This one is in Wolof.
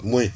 muy